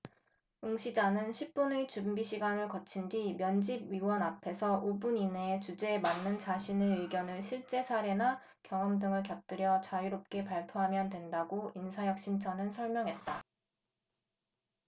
응시자는 십 분의 준비시간을 거친 뒤 면집위원 앞에서 오 분 이내에 주제에 맞는 자신의 의견을 실제사례나 경험 등을 곁들여 자유롭게 발표하면 된다고 인사혁신처는 설명했다